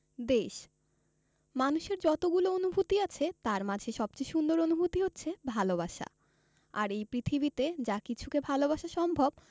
দেশ মানুষের যতগুলো অনুভূতি আছে তার মাঝে সবচেয়ে সুন্দর অনুভূতি হচ্ছে ভালোবাসা আর এই পৃথিবীতে যা কিছুকে ভালোবাসা সম্ভব